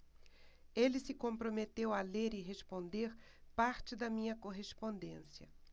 ele se comprometeu a ler e responder parte da minha correspondência